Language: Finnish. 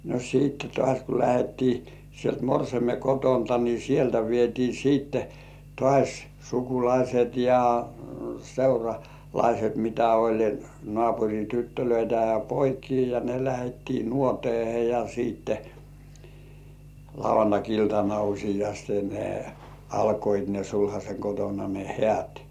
no sitten taas kun lähdettiin sieltä morsiamen kotoa niin sieltä vietiin sitten taas sukulaiset ja seuralaiset mitä oli naapurin tyttöjä ja poikia ja ne lähdettiin nuoteeseen ja sitten lauantai-iltana useasti ne alkoivat ne sulhasen kotona ne häät